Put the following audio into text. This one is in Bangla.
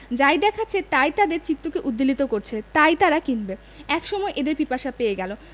যাই দেখাচ্ছে তাই তাদের চিত্তকে উদ্বেলিত করছে তাই তারা কিনবে এক সময় এদের পিপাসা পেয়ে গেল